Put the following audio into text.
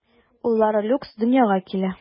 Уллары Люкс дөньяга килә.